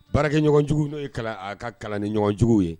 Baarakɛ ɲɔgɔnjugu n'o ye kalan a ka kalan ni ɲɔgɔnjugu ye